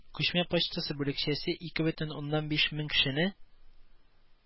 Күчмә почта бүлекчәсе ике бөтен уннан биш мең кешене